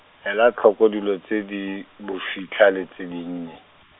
ela tlhoko dilo tse di, bofitlha le tse dinnye.